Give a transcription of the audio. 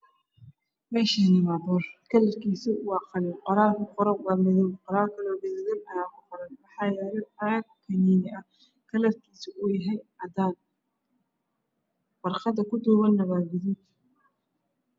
Me Shani wa boor kalar kisu wa qalin qoraalka kuqoran wa madow qoraalkalo gadudan ayaa ku qoran waxa yalo caag Kani ni ah kalar kisu uyahay cadan war qada kudubane wa gudud